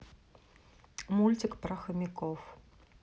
мультик про хомяков